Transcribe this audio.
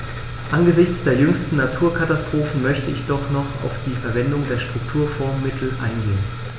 Angesichts der jüngsten Naturkatastrophen möchte ich doch noch auf die Verwendung der Strukturfondsmittel eingehen.